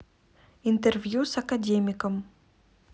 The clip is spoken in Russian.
интервью с академиком